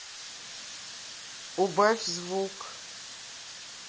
убавь звук